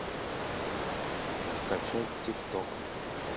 скачать тикток